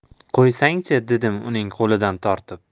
qo'ysang chi dedim uning qo'lidan tortib